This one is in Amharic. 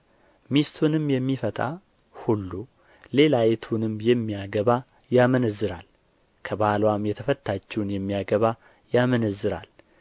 ሚስቱንም የሚፈታ ሁሉ ሌላይቱንም የሚያገባ ያመነዝራል ከባልዋም የተፈታችውን የሚያገባ ያመነዝራል